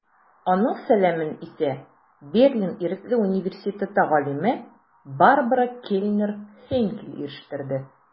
Аның сәламен исә Берлин Ирекле университеты галиме Барбара Кельнер-Хейнкель ирештерде.